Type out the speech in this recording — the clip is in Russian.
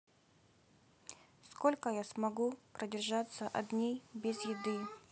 сколько я смогу продержаться от дней без еды